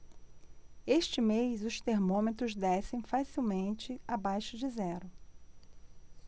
este mês os termômetros descem facilmente abaixo de zero